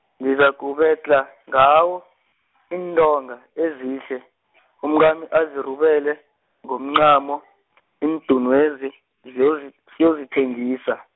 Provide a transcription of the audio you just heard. ngizakubedlha ngawo, iintonga ezihle, umkami azirubele, ngomncamo iindunwezi ziyo- siyozithengisa.